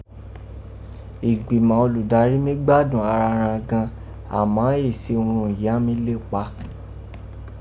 Ìgbìmà olùdarí mí gbádùn ara ghan gan an, àmá éè si urun yìí án mí lépa.